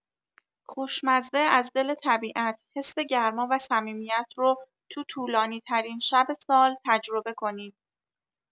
خوشمزه از دل طبیعت، حس گرما و صمیمیت رو تو طولانی‌ترین شب سال تجربه کنید.